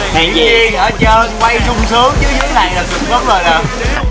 hèn chi ở trên quay sung sướng chứ dưới này là cực lắm rồi nè